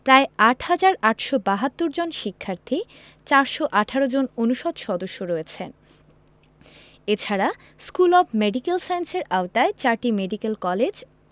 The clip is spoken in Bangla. প্রায় ৮ হাজার ৮৭২ জন শিক্ষার্থী ৪১৮ জন অনুষদ সদস্য রয়েছে এছাড়া স্কুল অব মেডিক্যাল সায়েন্সের আওতায় চারটি মেডিক্যাল কলেজ